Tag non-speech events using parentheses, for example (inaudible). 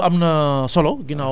loolu am na (hesitation) solo